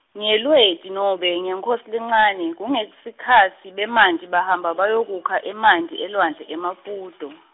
NgeLweti nobe ngeNkhosi lencane, kungesikhatsi bemanti bahamba bayokukha emanti elwandle eMaputo.